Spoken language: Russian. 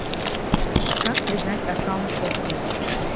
как признать аккаунт okko